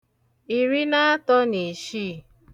ìrì na atọ̄ nà ìshiì